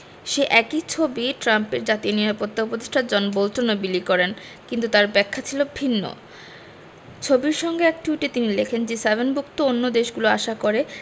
সেই একই ছবি ট্রাম্পের জাতীয় নিরাপত্তা উপদেষ্টা জন বোল্টনও বিলি করেন কিন্তু তাঁর ব্যাখ্যা ছিল ভিন্ন ছবিটির সঙ্গে এক টুইটে তিনি লেখেন জি ৭ ভুক্ত অন্য দেশগুলো আশা করে